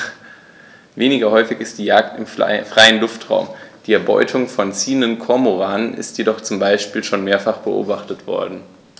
Weniger häufig ist die Jagd im freien Luftraum; die Erbeutung von ziehenden Kormoranen ist jedoch zum Beispiel schon mehrfach beobachtet worden.